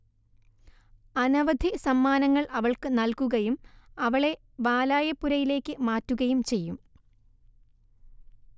അനവധി സമ്മാനങ്ങൾ അവൾക്ക് നൽകുകയും അവളെ വാലായപ്പുരയിലേക്ക് മാറ്റുകയും ചെയ്യും